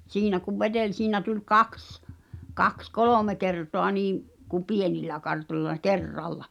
siinä kun veteli siinä tuli kaksi kaksi kolme kertaa niin kuin pienillä kartoilla kerralla